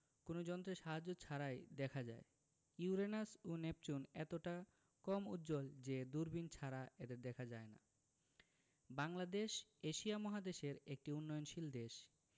কোনো যন্ত্রের সাহায্য ছাড়াই দেখা যায় ইউরেনাস ও নেপচুন এতটা কম উজ্জ্বল যে দূরবীণ ছাড়া এদের দেখা যায় না বাংলাদেশ এশিয়া মহাদেশের একটি উন্নয়নশীল দেশ